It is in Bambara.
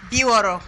Bi wɔɔrɔ